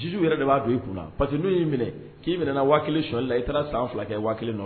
Juge u yɛrɛ de b'a don i kunna parce que n'u y'i minɛ k'i minɛna 1000 suɲɛli la i taara san 2 kɛ 1000 nɔ